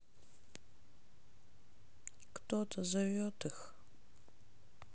кто то зовет их